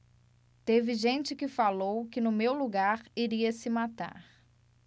teve gente que falou que no meu lugar iria se matar